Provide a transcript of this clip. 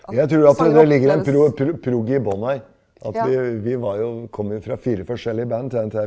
jeg trur at det ligge en prog i bånn her, at vi vi var jo kom jo fra fire forskjellige band TNT.